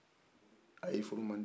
ayi furu man di